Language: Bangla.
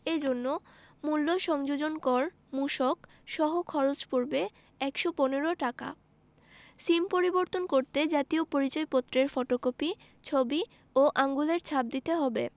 এ জন্য মূল্য সংযোজন কর মূসক সহ খরচ পড়বে ১১৫ টাকা সিম পরিবর্তন করতে জাতীয় পরিচয়পত্রের ফটোকপি ছবি ও আঙুলের ছাপ দিতে হবে